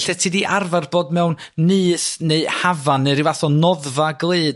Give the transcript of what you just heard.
lle ti 'di arfar bod mewn nyth neu hafan neu ryw fath o noddfa glyd